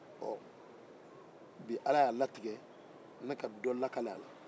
ɔɔi bi ala y'a latigɛ ne ka dɔ lakali a la